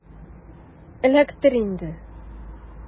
Эләктер инде!